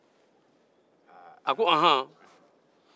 ako anhan